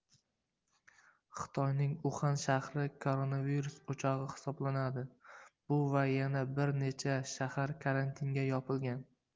xitoyning uxan shahri koronavirus o'chog'i hisoblanadi bu va yana bir necha shahar karantinga yopilgan